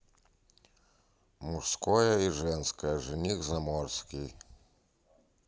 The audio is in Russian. мужское и женское жених заморский